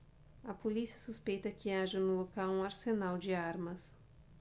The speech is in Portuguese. a polícia suspeita que haja no local um arsenal de armas